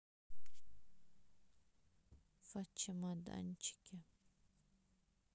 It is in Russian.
в чемоданчике